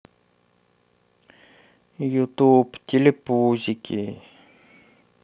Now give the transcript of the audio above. ютуб телепузики